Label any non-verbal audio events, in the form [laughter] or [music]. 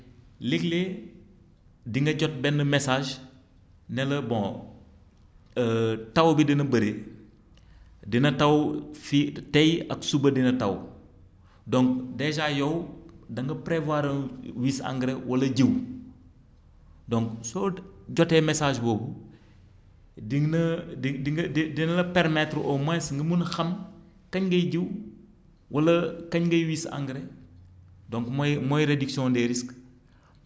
léeg-léeg di nga jot benn message ne la bon [hesitation] taw bi dina bëri [inhales] dina taw fii tay ak suba dina taw donc dèjà yow da nga prévoir wis engrais wala jiw donc soo jotee message boobu dina [hesitation] di di nga di na la permettre au moins nga mën a xam kañ ngay jiwu wala kañ ngay wis engrais donc mooy mooy réduction des risques